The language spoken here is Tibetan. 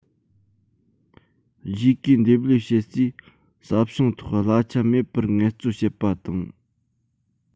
གཞིས ཀའི འདེབས ལས བྱེད སའི ས ཞིང ཐོག གླ ཆ མེད པར ངལ རྩོལ བྱེད པ དང